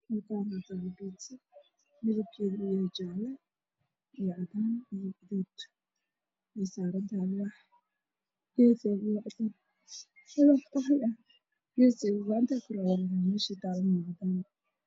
Meeshaan waxaa taalo biidso kalarkeedu uu yahay jaale iyo cadaan iyo gaduud, waxay saaran tahay alwaax qaxwi ah.